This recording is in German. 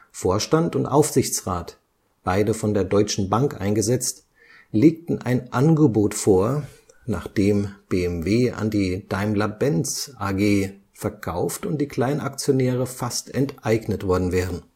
Vorstand und Aufsichtsrat, beide von der Deutschen Bank eingesetzt, legten ein Angebot vor, nach dem BMW an die Daimler-Benz AG (Großaktionär ebenfalls Deutsche Bank) verkauft und die Kleinaktionäre fast enteignet worden wären